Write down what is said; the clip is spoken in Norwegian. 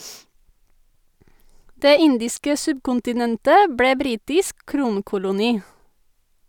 Det indiske subkontinentet ble britisk kronkoloni.